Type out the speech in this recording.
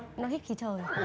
nó hít khí trời